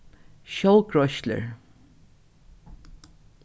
sjálvgreiðslur